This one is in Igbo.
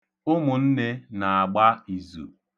Ụmụnne na-agba izu.